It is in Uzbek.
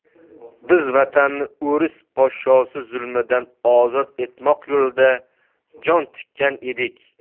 biz vatanni o'rus podshosi zulmidan ozod etmoq yo'liga jon tikkan edik